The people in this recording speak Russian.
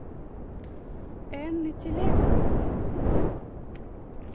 anny телесно